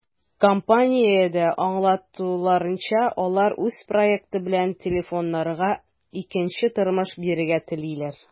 Компаниядә аңлатуларынча, алар үз проекты белән телефоннарга икенче тормыш бирергә телиләр.